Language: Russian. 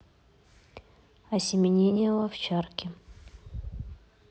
осеменение у овчарки